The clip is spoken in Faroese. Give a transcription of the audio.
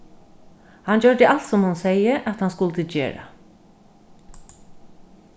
hann gjørdi alt sum hon segði at hann skuldi gera